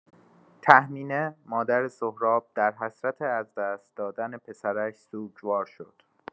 تهمینه، مادر سهراب، در حسرت از دست دادن پسرش سوگوار شد.